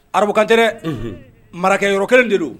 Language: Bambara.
Arabukan tɛ dɛ . Marakɛ yɔrɔ kelen de don.